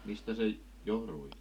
mistä se johtui